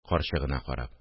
Карчыгына карап